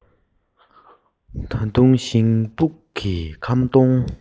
ད དུང ཞིང སྦུག གི ཁམ སྡོང